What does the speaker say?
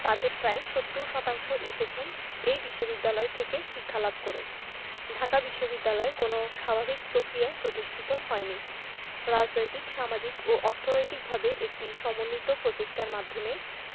তাঁদের প্রায় ৭০ শতাংশ এসেছেন এ বিশ্ববিদ্যালয় থেকে শিক্ষালাভ করে ঢাকা বিশ্ববিদ্যালয় কোনো স্বাভাবিক প্রক্রিয়ায় প্রতিষ্ঠিত হয়নি রাজনৈতিক সামাজিক ও অর্থনৈতিকভাবে একটি সমন্বিত প্রচেষ্টার মাধ্যমে